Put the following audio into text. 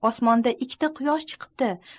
osmonga ikkita quyosh chiqibdi